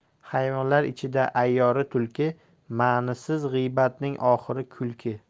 hayvonlar ichida ayyori tulki ma'nisiz g'iybatning oxiri kulki